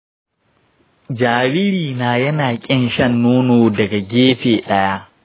jaririna yana ƙin shan nono daga gefe ɗaya.